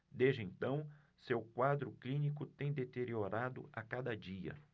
desde então seu quadro clínico tem deteriorado a cada dia